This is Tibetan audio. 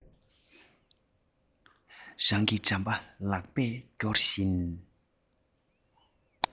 རང གི འགྲམ པ ལག པས སྐྱོར བཞིན